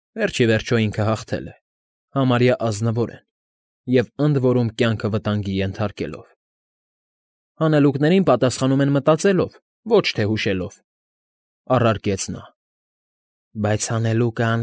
Վերջ ի վերջո ինքը հաղթել է, համարյա ազնվորեն և ընդ որում կյանքը վտանգի ենթարկելով։ ֊ Հանելուկներին պատասխանում են մտածելով, ոչ թե հուշելով,֊ առարկեց նա։ ֊ Բայց հանելուկը։